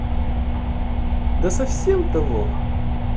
да совсем того